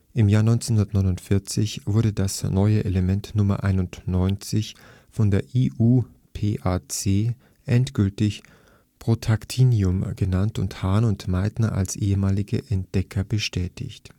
Im Jahre 1949 wurde das neue Element Nr. 91 von der IUPAC endgültig Protactinium genannt und Hahn und Meitner als alleinige Entdecker bestätigt